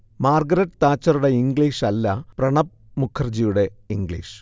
Margaret താച്ചറുടെ ഇംഗ്ലീഷല്ല, പ്രണബ് മുഖർജിയുടെ ഇംഗ്ലീഷ്